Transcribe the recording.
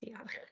Diolch.